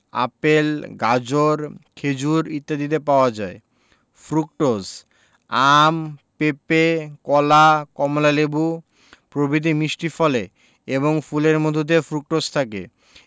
apple গাজর খেজুর ইত্যাদিতে পাওয়া যায় ফ্রুকটোজ আম পেপে কলা কমলালেবু প্রভৃতি মিষ্টি ফলে এবং ফুলের মধুতে ফ্রুকটোজ থাকে